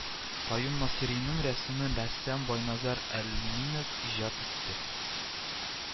Каюм Насыйриның рәсемен рәссам Байназар Әлминев иҗат итте